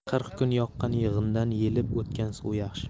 qirq kun yoqqan yog'indan yelib o'tgan suv yaxshi